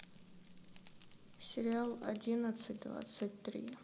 сериал одиннадцать двадцать три